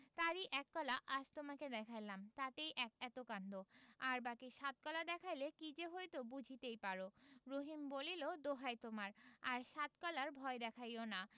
তার ই এক কলা আজ তোমাকে দেখাইলাম তাতেই এত কাণ্ড আর বাকী সাত কলা দেখাইলে কি যে হইত বুঝিতেই পার রহিম বলিল দোহাই তোমার আর সাত কলার ভয় দেখাইও